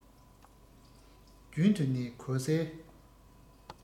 རྒྱུན དུ ནས གོ གསལ